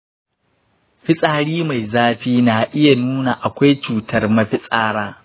fitsari mai zafi na iya nuna akwai cutar mafitsara.